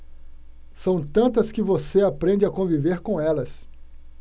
são tantas que você aprende a conviver com elas